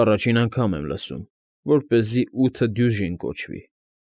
Առաջին անգամ եմ լսում, որպեսզի ութը դյուժին կոչվի։